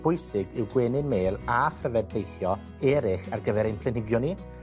bwysig yw gwenyn mêl a phryfed peillio eryll ar gyfer ein planhigion ni,